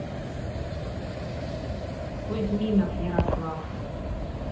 кузьминов ярослав